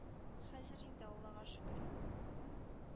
Хәзер инде, Аллага шөкер,